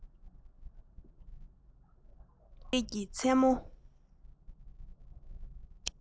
འདས རྗེས ཀྱི མཚན མོ